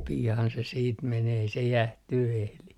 pian se sitten menee ei se jäähtyä ehdi